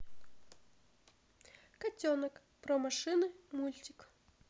котенок про машины мультик